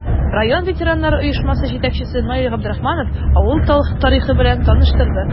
Район ветераннар оешмасы җитәкчесе Наил Габдрахманов авыл тарихы белән таныштырды.